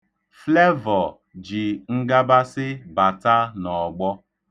Flavour ji ngabasị bata n'ọgbọ.